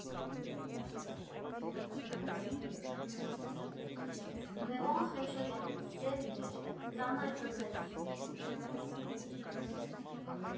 Լևոն Խեչոյան, «Սև գիրք, ծանր բզեզ»